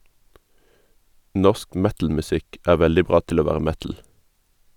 Norsk metalmusikk er veldig bra til å være metal.